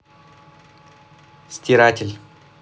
стиратель